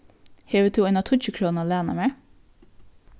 hevur tú eina tíggjukrónu at læna mær